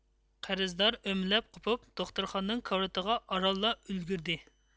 قەرزدار ئۆمىلەپ قوپۇپ دوختۇرخانىنىڭ كارىۋىتىغا ئارانلا ئۈلگۈردى